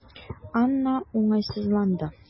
Анна уңайсызланды.